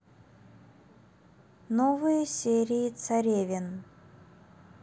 новые серии царевен